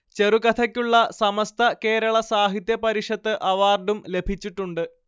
ചെറുകഥയ്ക്കുളള സമസ്ത കേരള സാഹിത്യ പരിഷത്ത് അവാർഡും ലഭിച്ചിട്ടുണ്ട്